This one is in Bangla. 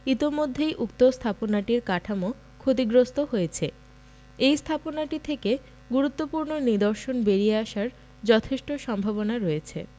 ইতোমধ্যেই উক্ত স্থাপনাটির কাঠামো ক্ষতিগ্রস্ত হয়েছে এই স্থাপনাটি থেকে গুরুত্বপূর্ণ নিদর্শন বেরিয়ে আসার যথেষ্ট সম্ভাবনা রয়েছে